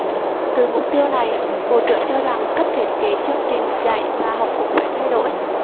từ mục tiêu này bộ trưởng cho rằng cách thiết kế chương trình dạy và học cũng phải thay đổi